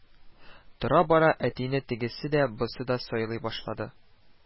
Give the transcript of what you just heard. Тора-бара әтине тегесе дә, бусы да сыйлый башлады